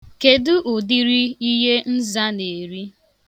Kedu ụdịrị ihe nza na-eri?